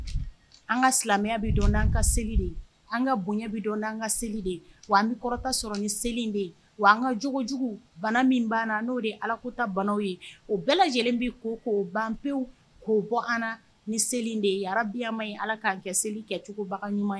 An ka silamɛya an ka an ka bonya bɛ an ka seli an bɛ kɔrɔta sɔrɔ ni de an ka jojugu bana min banna n'o ye ala ko ta banaw ye o bɛɛ lajɛlen bɛ ko'o ban pewu k'o bɔ an ni de ye arayama ala k ka kɛcogo bagan ɲuman ye